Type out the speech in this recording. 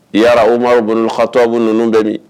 Yala, Umaru Ibunu Katabu ninnu bɛ min?